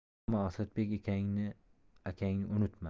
ammo asadbek akangni unutma